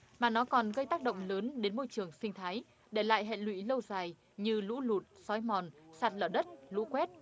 mà nó còn gây tác động lớn đến môi trường sinh thái để lại hệ lụy lâu dài như lũ lụt xói mòn sạt lở đất lũ quét